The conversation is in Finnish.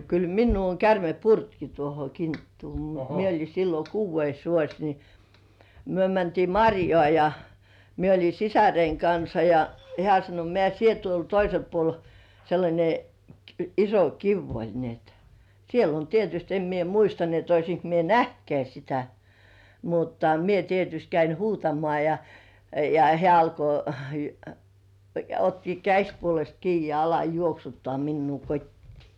kyllä minua on käärme purrutkin tuohon kinttuun mutta minä olin silloin kuudes vuosi niin me mentiin marjaan ja minä oli sisareni kanssa ja hän sanoi mene sinä tuolle toiselle puolelle sellainen iso kivi oli niin että siellä oli tietysti en minä muista niin että olisinko minä nähnytkään sitä mutta minä tietysti kävin huutamaan ja ja hän alkoi ja otti käsipuolesta kiinni ja ala juoksuttaa minua kotiin